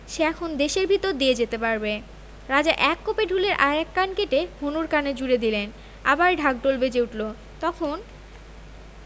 সে এখন দেশের ভিতর দিয়ে যেতে পারবে রাজা এক কোপে ঢুলির আর এক কান কেটে হনুর কানে জুড়ে দিলেনআবার ঢাক ঢোল বেজে উঠল তখন